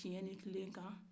tiɲɛ nin tilen kan